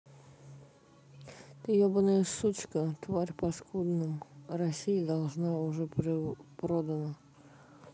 ты ебаная сучка тварь паскудном россия родина уже продана